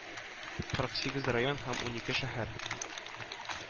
Кырык сигез район һәм унике шәһәр